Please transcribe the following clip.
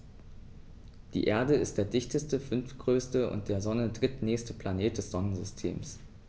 Die Erde ist der dichteste, fünftgrößte und der Sonne drittnächste Planet des Sonnensystems.